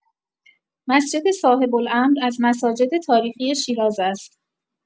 مسجد صاحب‌الامر از مساجد تاریخی شیراز است.